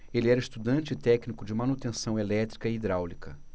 ele era estudante e técnico de manutenção elétrica e hidráulica